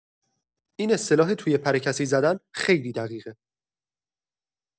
این اصطلاح «توی پر کسی زدن» خیلی دقیقه.